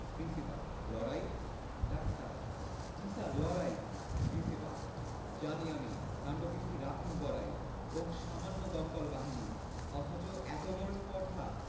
principal লড়াই doctor জ্বী sir লড়াই প্রিন্সিপাল জানি আমি কাণ্ডকীর্তি রাখুন বড়াই ওহ্ সামান্য দমকল বাহিনী অথচ এত বড় স্পর্ধা